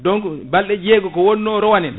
donc balɗe jeegom ko wonno rawane